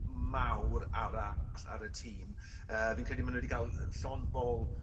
mawr arall ar y tîm yy fi'n credu ma' n'w 'di ga'l llond bol